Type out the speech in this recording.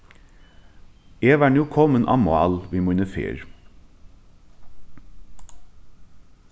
eg var nú komin á mál við míni ferð